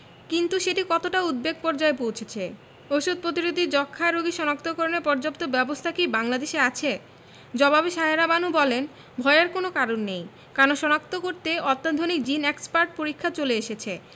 কিন্তু সেটি কতটা উদ্বেগ পর্যায়ে পৌঁছেছে ওষুধ প্রতিরোধী যক্ষ্মা রোগী শনাক্তকরণে পর্যাপ্ত ব্যবস্থা কি বাংলাদেশে আছে জবাবে সায়েরা বানু বলেন ভয়ের কোনো কারণ নেই কারণ শনাক্ত করতে অত্যাধুনিক জিন এক্সপার্ট পরীক্ষা চলে এসেছে